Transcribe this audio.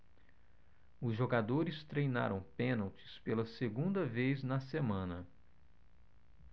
os jogadores treinaram pênaltis pela segunda vez na semana